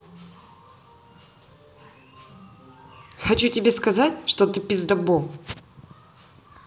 хочу тебе сказать что ты пиздабол